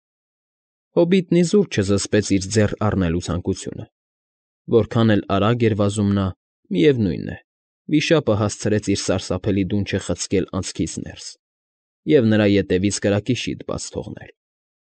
Հոբիտն իզուր չզսպեց իր ձեռ առնելու ցանկությունը. որքան էլ արագ էր վազում նա, միևնույն է, վիշապը հասցրեց իր սարսափելի դունչը խցկել անցքից ներս և նրա ետևից կրակի շիթ բաց թողնել։